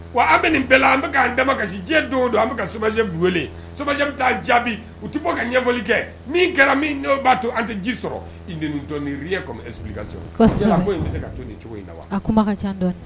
Wa an bɛ nin bɛɛ an bɛ'an da kasisi diɲɛ don don an bɛ kajɛ wele bɛ taa jaabi u tɛ bɔ ka ɲɛfɔli kɛ min kɛra min' b'a to an tɛ ji sɔrɔ ka bɛ se ka to ni cogo in la